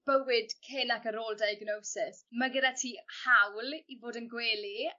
bywyd cyn ac ar ôl diagnosis ma' gyda ti hawl i fod yn gwely